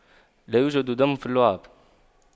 لا يوجد دم في اللعاب